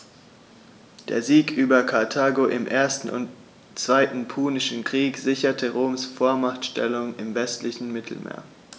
Der Sieg über Karthago im 1. und 2. Punischen Krieg sicherte Roms Vormachtstellung im westlichen Mittelmeer.